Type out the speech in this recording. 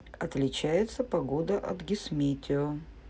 отличается погода от гисметео